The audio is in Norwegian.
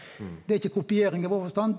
det er ikkje kopiering i vår forstand.